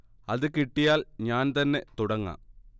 അത് കിട്ടിയാൽ ഞാൻ തന്നെ തുടങ്ങാം